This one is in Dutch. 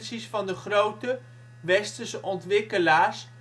van de grote (westerse) ontwikkelaars